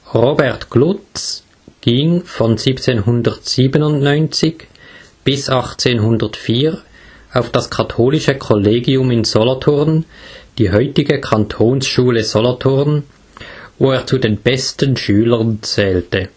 Robert Glutz ging von 1797 bis 1804 auf das katholische Kollegium in Solothurn, die heutige Kantonsschule Solothurn, wo er zu den besten Schülern zählte